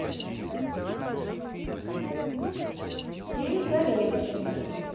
фильм гаремщина